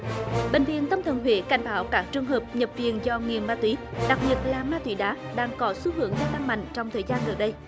bệnh viện tâm thần huệ cảnh báo các trường hợp nhập viện do nghiện ma túy đặc biệt là ma túy đá đang có xu hướng gia tăng mạnh trong thời gian gần đây